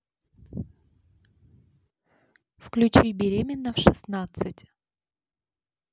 включи беременна в шестнадцать